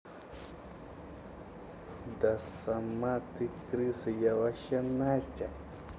да сама ты крыса я вообще настя